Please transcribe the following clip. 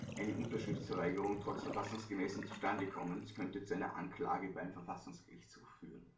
Unterschriftsverweigerung trotz verfassungsgemäßen Zustandekommens könnte zu einer Anklage beim Verfassungsgerichtshof führen